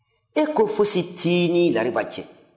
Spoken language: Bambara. e ko fosi t'i ni lariba cɛ